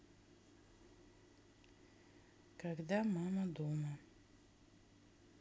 когда мама дома